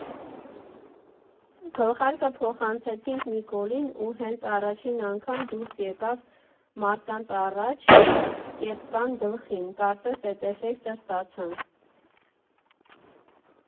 Գլխարկը փոխանցեցինք Նիկոլին ու հենց առաջին անգամ դուրս եկավ մարդկանց առաջ՝ կեպկան գլխին, կարծես՝ էդ էֆեկտը ստացանք։